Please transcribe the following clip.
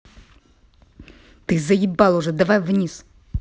ты заебал уже давай вниз